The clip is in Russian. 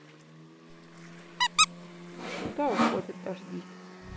куда уходят дожди